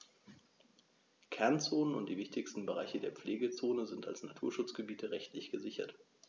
Kernzonen und die wichtigsten Bereiche der Pflegezone sind als Naturschutzgebiete rechtlich gesichert.